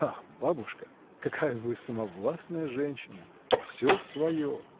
— Ах, бабушка, какая вы самовластная женщина: всё свое!